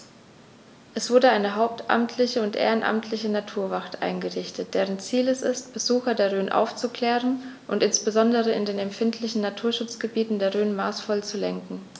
Es wurde eine hauptamtliche und ehrenamtliche Naturwacht eingerichtet, deren Ziel es ist, Besucher der Rhön aufzuklären und insbesondere in den empfindlichen Naturschutzgebieten der Rhön maßvoll zu lenken.